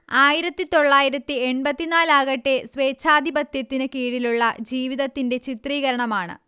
ആയിരത്തിതൊള്ളായിരത്തി എൺപത്തിനാലാകട്ടെ സ്വേച്ഛാധിപത്യത്തിന് കീഴിലുള്ള ജീവിതത്തിന്റെ ചിത്രീകരണമാണ്